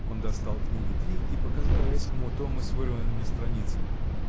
Он достал книги три и показал Райскому томы с вырванными страницами.